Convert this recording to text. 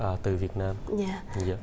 từ việt nam dạ